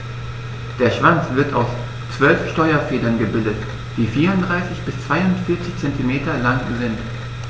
Der Schwanz wird aus 12 Steuerfedern gebildet, die 34 bis 42 cm lang sind.